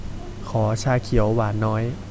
ขอชาเขียวหวานน้อย